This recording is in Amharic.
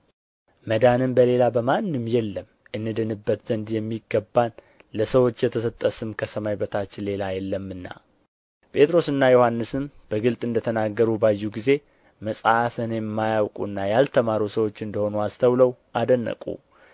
መዳንም በሌላ በማንም የለም እንድንበት ዘንድ የሚገባን ለሰዎች የተሰጠ ስም ከሰማይ በታች ሌላ የለምና ጴጥሮስና ዮሐንስም በግልጥ እንደ ተናገሩ ባዩ ጊዜ መጽሐፍን የማያውቁና ያልተማሩ ሰዎች እንደ ሆኑ አስተውለው አደነቁ